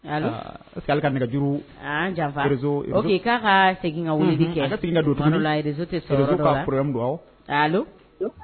Allo aa k'ale ka nɛgɛjuruu a y'an janfa réseau réseau ok k'a kaa segin ka weleli kɛ unhun a ka segin ka don kumadɔla réseau tɛ sɔrɔ yɔrɔdɔ la réseau ka probleme do awɔ allo